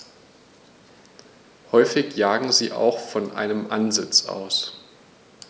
Häufig jagen sie auch von einem Ansitz aus.